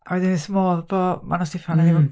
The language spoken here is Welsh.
Oddwn i wrth fy modd bo' Manon Steffan yn iawn... Mm.